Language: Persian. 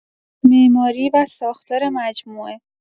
معماری و ساختار مجموعه